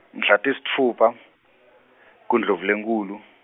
mhla tisitfupha, kuNdlovulenkhulu.